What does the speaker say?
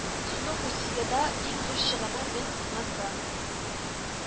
Суның устьеда иң зур чыгымы мең мы сы